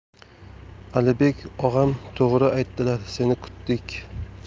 alibek og'am to'g'ri aytdilar seni kutdik